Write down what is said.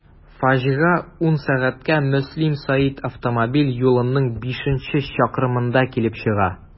Фаҗига 10.00 сәгатьтә Мөслим–Сәет автомобиль юлының бишенче чакрымында килеп чыга.